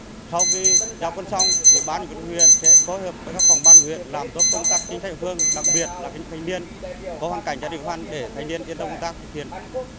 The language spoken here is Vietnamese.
sau khi ra quân xong thì ban huấn luyện sẽ phối hợp với các phòng ban huyện làm tốt công tác chính sách địa phương đặc biệt là những thanh niên có hoàn cảnh gia đình khó khăn để thanh niên yên tâm công tác thực hiện